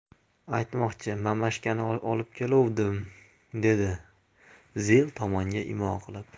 aytmoqchi mamashkani olib keluvdim dedi zil tomonga imo qilib